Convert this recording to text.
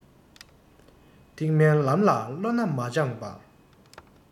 ཐེག དམན ལམ ལ བློ སྣ མ སྦྱངས པར